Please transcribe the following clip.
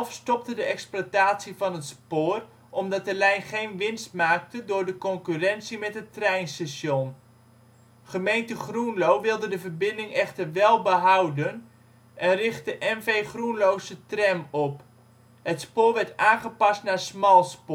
stopte de exploitatie van het spoor, omdat de lijn geen winst maakte door de concurrentie met het treinstation. Gemeente Groenlo wilde de verbinding echter wel behouden en richtte NV Groenlose Tram (GT) op. Het spoor werd aangepast naar smalspoor